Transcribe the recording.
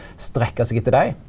strekka seg etter dei.